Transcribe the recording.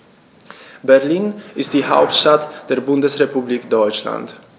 Berlin ist die Hauptstadt der Bundesrepublik Deutschland.